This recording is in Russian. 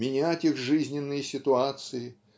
менять их жизненные ситуации